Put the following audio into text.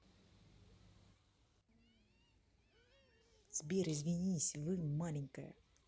сбер извинись вы маленькая